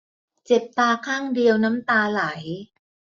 เจ็บตาข้างเดียวน้ำตาไหล